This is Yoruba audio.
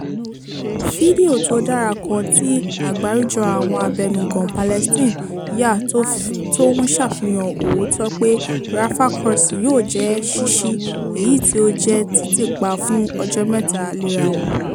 Fídíò tó dára kan tí àgbáríjọ àwọn abẹnugan Palestine yà tó ń ṣàfihàn òótò pé Rafah Crossing yóò jẹ́ ṣíṣí, èyí tí ó jẹ́ títì pa fún ọjọ́ mẹ́ta léra wọn.